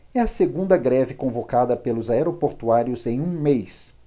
é a segunda greve convocada pelos aeroportuários em um mês